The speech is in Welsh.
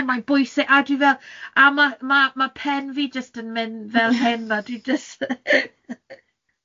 Ie mae'n bwysig a dwi fel a ma' ma' ma' pen fi jyst yn mynd fel hyn, fel dwi jyst.